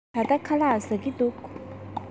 ད ལྟ ཁ ལག ཟ གི འདུག